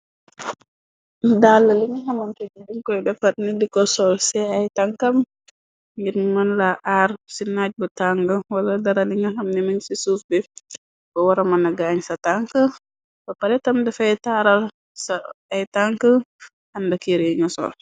Dalla lina xamamtu jiriñ koy defar nit diko sol ci ay tankam ngir mën la aar. Ci naaj bu tàng wala dara lina xam nemi ci suuf bi bu wara mëna gaañ sa tank. Ba paretam dafay taaral sa ay tank ànda kiire na sol.